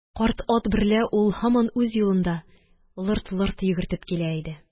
Карт ат берлә ул һаман үз юлында лырт-лырт йөгертеп килә иде